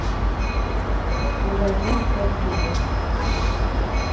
магазин сет бель